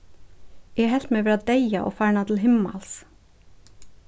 eg helt meg vera deyða og farna til himmals